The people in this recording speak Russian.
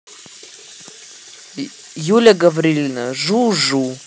юля гаврилина жу жу